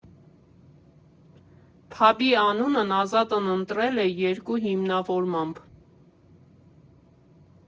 Փաբի անունն Ազատն ընտրել է երկու հիմնավորմամբ.